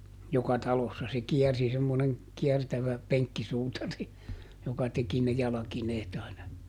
joka talossa se kiersi semmoinen kiertävä penkkisuutari joka teki ne jalkineet aina